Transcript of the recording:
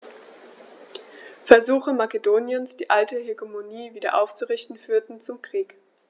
Versuche Makedoniens, die alte Hegemonie wieder aufzurichten, führten zum Krieg.